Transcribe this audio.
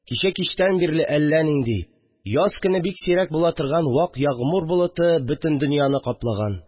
Кичә кичтән бирле әллә нинди, яз көне бик сирәк була торган вак ягъмур болыты бөтен дөньяны каплаган